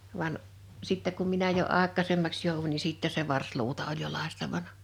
vaan sitten kun minä jo aikaisemmaksi jouduin niin sitten se varsiluuta oli jo lakaistavana